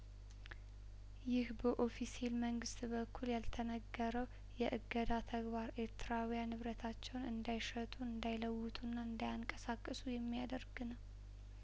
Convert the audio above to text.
ይህ በኦፊሴል መንግስት በኩል ያልተነገረው የእገዳ ተግባር ኤርትራውያንንብረታቸውን እንዳይሸጡ እንዳይለውጡና እንዳ ያንቀሳቅሱ የሚያደርግ ነው